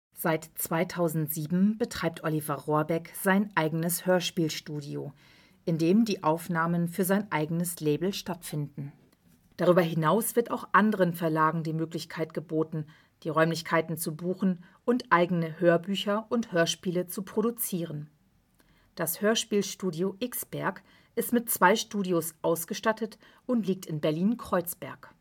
Seit 2007 betreibt Oliver Rohrbeck sein eigenes Hörspielstudio, in dem die Aufnahmen für sein eigenes Label stattfinden. Darüber hinaus wird auch anderen Verlagen die Möglichkeit geboten, die Räumlichkeiten zu buchen und eigene Hörbücher und Hörspiele zu produzieren. Das Hörspielstudio Xberg ist mit zwei Studios ausgestattet und liegt in Berlin-Kreuzberg